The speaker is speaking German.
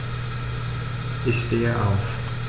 Ich stehe auf.